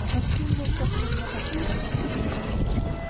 -- А зачем вам так нужна победа, паж Фернандо?